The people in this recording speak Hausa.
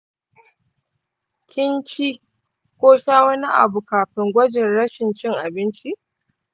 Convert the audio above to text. kin ci ko sha wani abu kafin gwajin rashin cin abincin?